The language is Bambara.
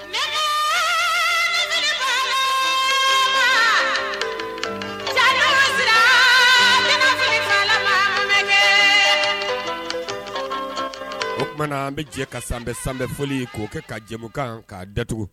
Ɲamakala bɛ oumana an bɛ jɛ ka san bɛ san foli k'o kɛ ka jɛ kan k kaa datugu